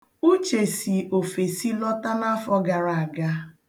Uche si ofesi lọta n'afọ gara aga.